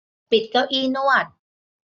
ปิดเก้าอี้นวด